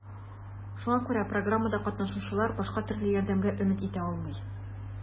Шуңа күрә программада катнашучылар башка төрле ярдәмгә өмет итә алмый.